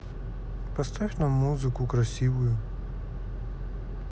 поставь нам музыку красивую